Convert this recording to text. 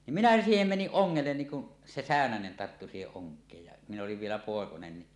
niin minä siihen menin ongelle niin kun se säynänen tarttui siihen onkeen ja minä olin vielä poikanen niin